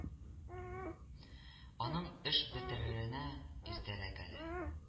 Аның эш бетереренә иртәрәк әле